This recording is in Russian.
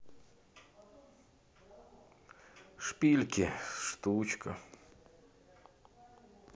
шпильки штучка